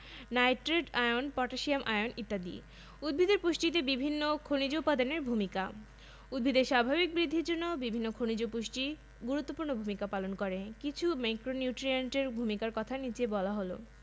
অত্যাবশ্যকীয় ১৬ টি উপাদানের মধ্যে উদ্ভিদ কোনো কোনো উপাদান বেশি পরিমাণে গ্রহণ করে আবার কোনো কোনো উপাদান সামান্য পরিমাণে গ্রহণ করে উদ্ভিদ কর্তৃক গৃহীত অত্যাবশ্যকীয় খনিজ পুষ্টির পরিমাণের উপর ভিত্তি করে এদেরকে দুইভাগে ভাগ করা হয়েছে